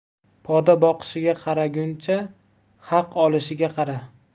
poda boqishiga qaraguncha haq olishiga qara